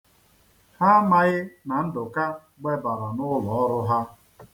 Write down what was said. Ha amaghị na Ndụka gbebara n'ụlọọrụ ha.